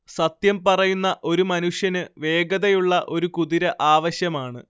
സത്യം പറയുന്ന ഒരു മനുഷ്യന് വേഗതയുള്ള ഒരു കുതിര ആവശ്യമാണ്